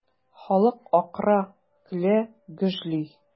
Халык акыра, көлә, гөжли.